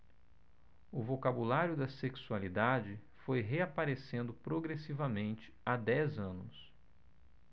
o vocabulário da sexualidade foi reaparecendo progressivamente há dez anos